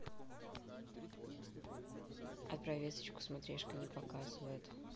отправь весточку смотрешка не показывает